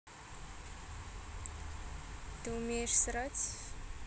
ты умеешь срать